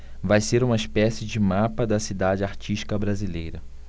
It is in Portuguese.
vai ser uma espécie de mapa da cidade artística brasileira